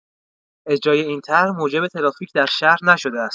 اجرای این طرح موجب ترافیک در شهر نشده است.